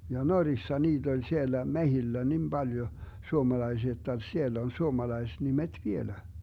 ja Norjassa niitä oli siellä metsillä niin paljon suomalaisia jotta siellä on suomalaisnimet vielä